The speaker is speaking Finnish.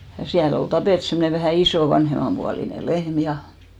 ja siellä oli tapettu semmoinen vähän iso vanhemmanpuoleinen lehmä ja